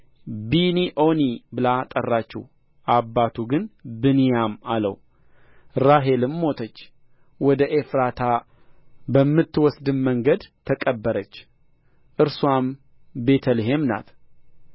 ቤንኦኒ ብላ ጠራችው አባቱ ግን ብንያም አለው ራሔልም ሞተች ወደ ኤፍራታ በምትወስድም መንገድ ተቀበረች እርስዋም ቤተልሔም ናት